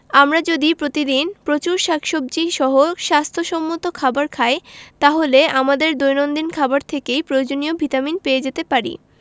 আমরা যদি প্রতিদিন প্রচুর শাকসবজী সহ স্বাস্থ্য সম্মত খাবার খাই তাহলে আমাদের দৈনন্দিন খাবার থেকেই প্রয়োজনীয় ভিটামিন পেয়ে যেতে পারি